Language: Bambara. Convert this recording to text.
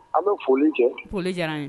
An bɛ foli kɛ foli diyara n ye